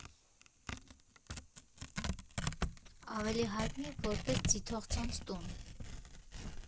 Ավելի հայտնի որպես Ձիթողցոնց տուն։